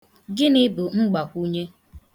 Gịnị bụ mgbakwunye?